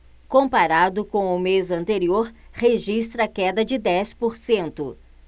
comparado com o mês anterior registra queda de dez por cento